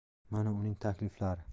mana uning takliflari